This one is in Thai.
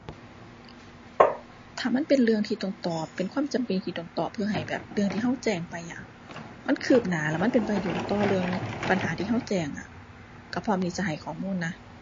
ถ้ามันเป็นเรื่องที่ต้องตอบ เป็นความจำเป็นที่ต้องตอบเพื่อให้แบบ เรื่องที่เราแจ้งไปอะ มันคืบหน้าแล้วมันเป็นประโยชน์ต่อเรื่องปัญหาที่เราแจ้งอะ เราพร้อมที่จะให้ข้อมูลนะ